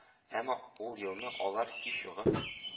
Әмма ул елны алар һичюгы